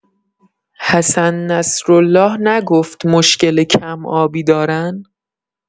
حسن نصرالله نگفت مشکل کم‌آبی دارن؟